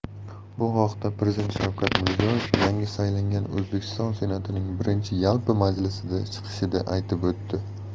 bu haqda prezident shavkat mirziyoyev yangi saylangan o'zbekiston senatining birinchi yalpi majlisidagi chiqishida aytib o'tdi